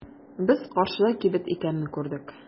Без каршыда кибет икәнен күрдек.